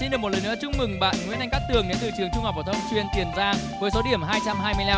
xin được một lần nữa chúc mừng bạn nguyễn anh cát tường đến từ trường trung học phổ thông chuyên tiền giang với số điểm hai trăm hai mươi lăm